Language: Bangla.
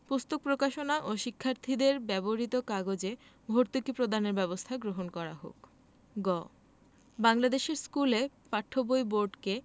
পুস্তক প্রকাশনা ও শিক্ষার্থীদের ব্যবহৃত কাগজে ভর্তুকি প্রদানের ব্যবস্থা গ্রহণ করা হোক গ বাংলাদেশের স্কুলে পাঠ্য বই বোর্ডকে